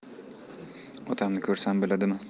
otamni ko'rsam bo'ladimi